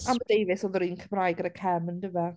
Amber Davies oedd yr un Cymraeg gyda Kem yndyfe?